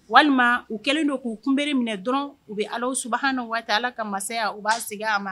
Walima u kɛlen don k'u kunbereri minɛ dɔrɔn u bɛ ala su ha waati ala ka mansaya u b'a segin a ma